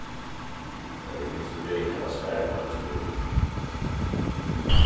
men eg vil so fegin hava svar upp á ein spurning